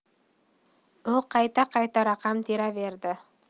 u qayta qayta raqam teraverdi